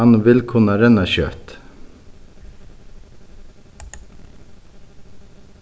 hann vil kunna renna skjótt